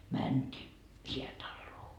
mentiin häätaloon